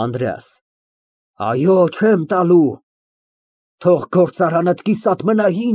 ԱՆԴՐԵԱՍ ֊ Այո, չեմ տալու, թող գործարանդ կիսատ մնա։